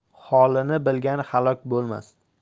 holini bilgan halok bo'lmas